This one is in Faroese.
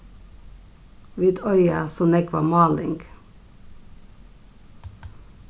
vit eiga so nógva máling